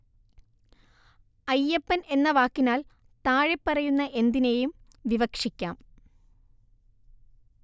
അയ്യപ്പന്‍ എന്ന വാക്കിനാല്‍ താഴെപ്പറയുന്ന എന്തിനേയും വിവക്ഷിക്കാം